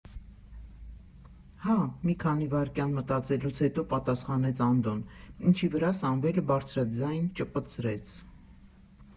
֊ Հա, ֊ մի քանի վարկյան մտածելուց հետո պատասխանեց Անդոն, ինչի վրա Սամվելը բարձրաձայն ճպցրեց։